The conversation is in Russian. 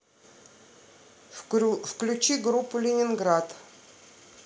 включи группу ленинград